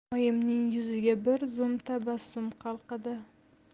oyimning yuziga bir zum tabassum qalqidi